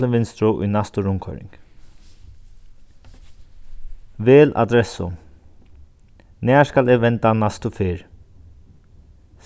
til vinstru í næstu rundkoyring vel adressu nær skal eg venda næstu ferð